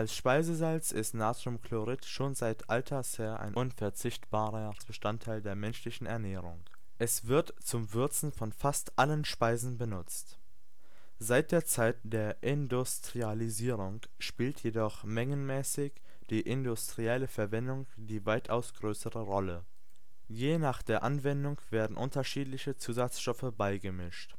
Speisesalz ist Natriumchlorid schon seit Alters her ein unverzichtbarer Bestandteil der menschlichen Ernährung. Es wird zum Würzen von fast allen Speisen benutzt. Seit der Zeit der Industrialisierung spielt jedoch mengenmäßig die industrielle Verwendung die weitaus größere Rolle. Je nach der Anwendung werden unterschiedliche Zusatzstoffe beigemischt